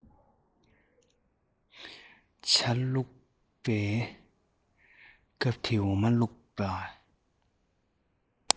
ཇ བླུག པའི སྒྲ དེ འོ མ བླུག པའི